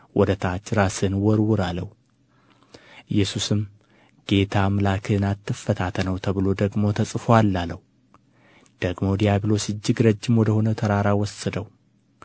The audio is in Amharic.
ወደ ታች ራስህን ወርውር አለው ኢየሱስም ጌታን አምላክህን አትፈታተነው ተብሎ ደግሞ ተጽፎአል አለው ደግሞ ዲያቢሎስ እጅግ ረጅም ወደ ሆነ ተራራ ወሰደው